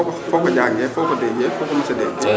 foo ko foo ko jàngee foo ko déggee foo ko mos a déggee